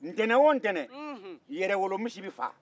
ntɛnin o ntɛnin yɛrɛwolominsi bɛ faa